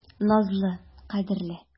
Назлы, кадерле.